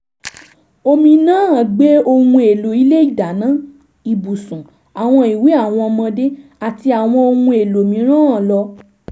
Omi náà gbé ohun èlò ilé ìdáná, ibùsùn, àwọn ìwé àwọn ọmọdé, àti àwọn ohun èlò mìíràn lọ.